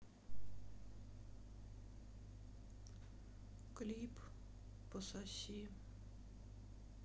клип пососи